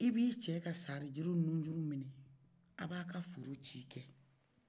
i b'i cɛ ka sari juru nujuru minɛ a b'a ka foro ci kɛ